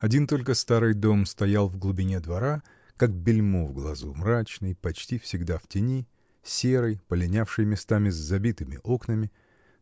Один только старый дом стоял в глубине двора, как бельмо на глазу, мрачный, почти всегда в тени, серый, полинявший, местами с забитыми окнами,